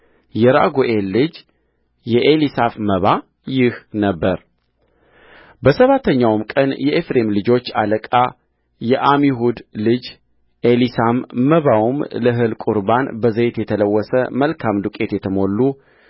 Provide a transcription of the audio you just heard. የራጉኤል ልጅ የኤሊሳፍ መባ ይህ ነበረበሰባተኛውም ቀን የኤፍሬም ልጆች አለቃ የዓሚሁድ ልጅ ኤሊሳማመባውም ለእህል ቍርባን በዘይት የተለወሰ መልካም ዱቄት የተሞሉ